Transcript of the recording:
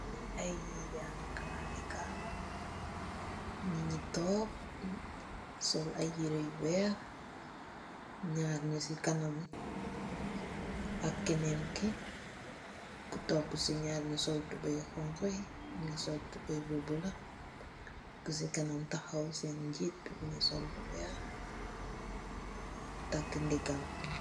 Nyii ay nyi jange karate kaa la, nyingi toog, sol ay yire yu weex, nyaar nyun si kanam, ak keneen ki, ku toopu si nyar nyun sol tubay nyu xonxu yi, mingi sol tubay bu bula, ku si kanam taxaw, sen jiid bi, mingi sol lu weex take digem